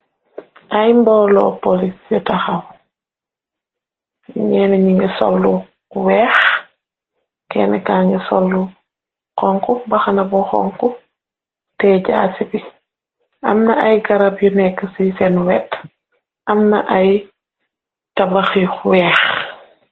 Ay mboolo polis yu taxaw ñeenu ñi ngi sollu weex kenn ka ngi sollu xonk baxna bu xonk te jaasi bi amna ay garab yu nekk ci seen wet amna ay tabaxi weex.